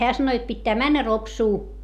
hän sanoi jotta pitää mennä Ropsuun